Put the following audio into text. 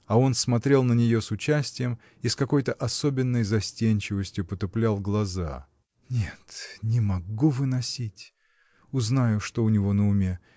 А он смотрел на нее с участием и с какой-то особенной застенчивостью потуплял глаза. — Нет, не могу выносить! Узнаю, что у него на уме.